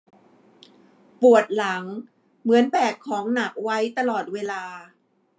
ปวดหลังเหมือนแบกหนักของไว้ตลอดเวลา